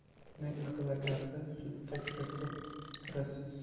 uning advokati sudda juda